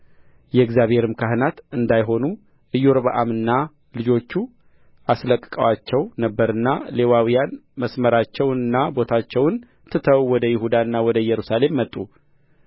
የእግዚአብሔርም ካህናት እንዳይሆኑ ኢዮርብዓምና ልጆቹ አስለቅቀዋቸው ነበርና ሌዋውያን መሰመሪያቸውንና ቦታቸውን ትተው ወደ ይሁዳና ወደ ኢየሩሳሌም መጡ